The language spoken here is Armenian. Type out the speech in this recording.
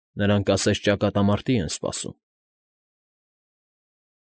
Նրանք ասես ճակատամարտի են սպասում։